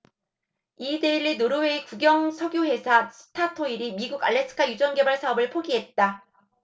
이데일리 노르웨이 국영석유회사 스타토일이 미국 알래스카 유전개발 사업을 포기했다